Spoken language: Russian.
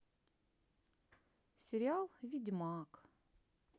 сериал ведьмак